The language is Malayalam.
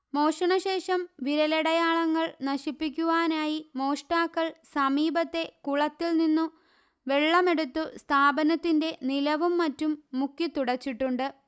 മോഷണശേഷം വിരലടയാളങ്ങൾ നശിപ്പിക്കുവാനായി മോഷ്ടാക്കൾ സമീപത്തെ കുളത്തിൽ നിന്നു വെള്ളമെടുത്ത് സ്ഥാപനത്തിന്റെ നിലവും മറ്റും മുക്കിത്തുടച്ചിട്ടുണ്ട്